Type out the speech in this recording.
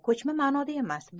ko'chma ma'noda emas